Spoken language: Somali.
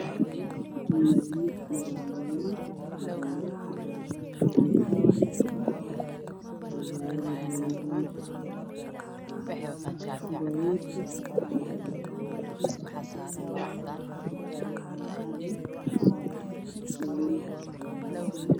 Waa waddo waxaa maraayo baabuur weyn iyo mid yar oo caddaan ah waddada waa ciid guduud nin ayaa marayo